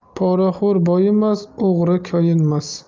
poraxo'r boyimas o'g'ri koyinmas